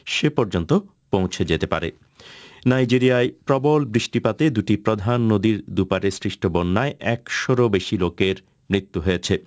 সে পর্যন্ত পৌঁছে যেতে পারে নাইজেরিয়ায় প্রবল বৃষ্টিপাতে দুটি প্রধান নদীর দু'পাড়ে সৃষ্ট বন্যায় একশোরও বেশি লোকের মৃত্যু হয়েছে